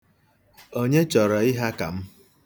Onye chọrọ ịha ka m?